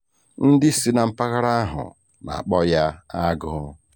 Ndị si na mpaghara ahụ na-akpọ ya "agụ"